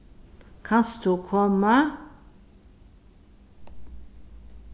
kanst tú koma